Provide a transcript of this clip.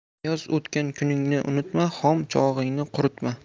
ayoz o'tgan kuningni unutma xom chorig'ingni quritma